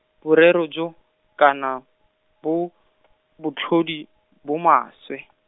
borero jo, kana, bo , botlhodi, bo maswe.